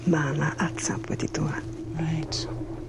Ma' 'na atab wedi dŵa'. Reit.